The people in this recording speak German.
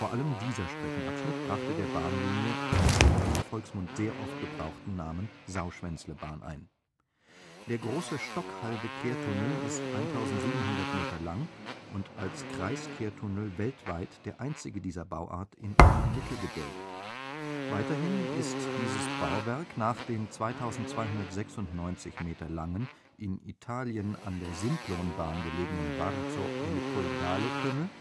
allem dieser Streckenabschnitt brachte der Bahnlinie auch den im Volksmund sehr oft gebrauchten Namen „ Sauschwänzlebahn “ein. Der Große Stockhalde-Kehrtunnel ist 1.700 Meter lang und als Kreiskehrtunnel weltweit der einzige dieser Bauart in einem Mittelgebirge. Weiterhin ist dieses Bauwerk nach dem 2.296 Meter langen in Italien an der Simplonbahn gelegenen Varzo-Elicoidale-Tunnel